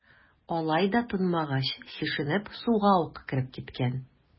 Алай да тынмагач, чишенеп, суга ук кереп киткән.